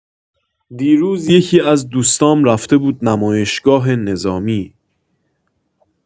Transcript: دیروز یکی‌از دوستام رفته بود نمایشگاه نظامی.